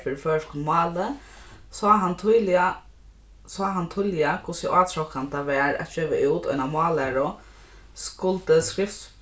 fyri føroyskum máli sá hann týðiliga sá hann tíðliga hvussu átrokandi tað var at geva út eina mállæru skuldi